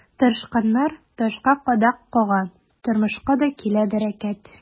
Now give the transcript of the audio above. Тырышканнар ташка кадак кага, тормышка да килә бәрәкәт.